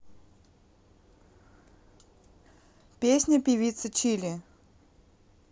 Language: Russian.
песня певицы чили